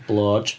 Blowj.